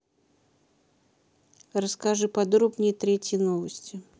расскажи подробнее третьи новости